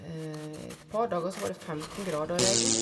Et par dager så var det femten grader og regn.